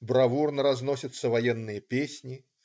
Бравурно разносятся военные песни.